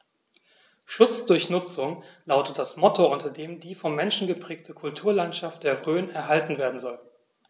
„Schutz durch Nutzung“ lautet das Motto, unter dem die vom Menschen geprägte Kulturlandschaft der Rhön erhalten werden soll.